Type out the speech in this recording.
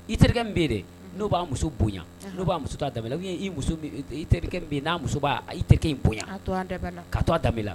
I terikɛkɛ in bɛ n b'a muso boyan b'a muso tɛmɛ terikɛ n muso' terikɛ in bo tɛmɛ la